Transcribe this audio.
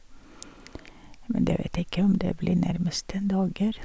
Men det vet jeg ikke om det blir nærmeste dager.